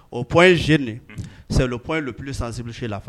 O pye z sen sapye don pli sanpsi la